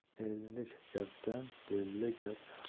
ellik gapdan belli gap yaxshi